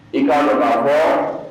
I ka dɔ ka fɔ